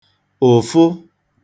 ụ̀fụ